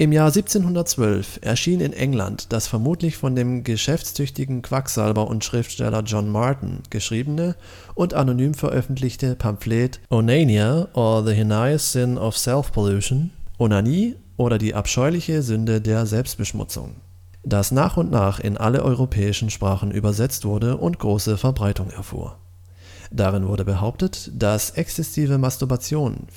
Jahr 1712 erschien in England das vermutlich von dem geschäftstüchtigen Quacksalber und Schriftsteller John Marten geschriebene und anonym veröffentlichte Pamphlet Onania: or, the Heinous Sin of Self-Pollution („ Onanie oder die abscheuliche Sünde der Selbstbeschmutzung “), das nach und nach in alle europäischen Sprachen übersetzt wurde und große Verbreitung erfuhr. Darin wurde behauptet, dass exzessive Masturbation